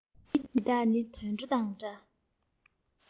མི དེ དག ནི དུད འགྲོ དང འདྲ